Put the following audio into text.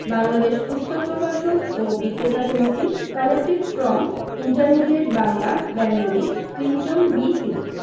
বাংলাদেশ পুস্তক প্রকাশক ও বিক্রেতা সমিতি collected from intermediate Bangla Bengali Clinton B Seely